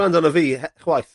...gwrando arno fi he- chwaith.